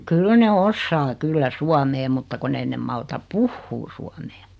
kyllä ne osaa kyllä suomea mutta kun ei ne malta puhua suomea